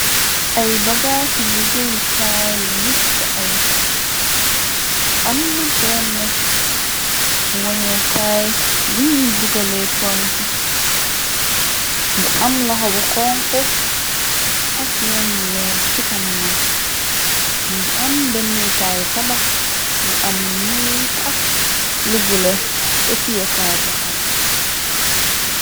Ay bagaasu liggéeyu kaay yu muj c ay amna benn woñikaay buñuy dugale pont bu am loxabu xonk ak weñ bu weex ci kanamoom mu ngi am bennekaayyi tabax bu am lu nuul ak lu bula ca tiyekaay botam.